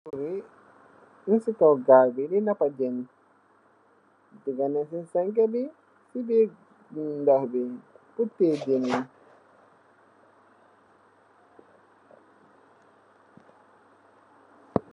Niit yi nyounge ci kaw gal bi di napa jen dougal nanng mbaal bi ci bir ndoox bi purr teeye jen yi.